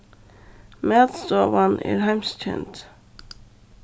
matstovan er heimskend